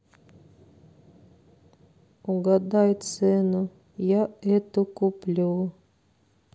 угадай цену я это куплю